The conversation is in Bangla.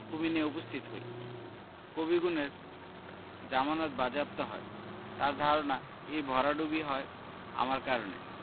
কুমীর নিয়ে উপস্থিত হই কবি গুণের জামানত বাজেয়াপ্ত হয় তাঁর ধারণা এই ভরাডুবি হয় আমার কারণে